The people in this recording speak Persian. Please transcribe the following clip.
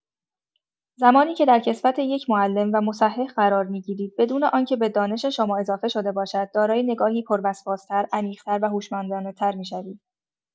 زمانی که در کسوت یک معلم و مصحح قرار می‌گیرید بدون آنکه به دانش شما اضافه شده باشد، دارای نگاهی پروسواس‌تر، عمیق‌تر و هوشمندانه‌تر می‌شوید.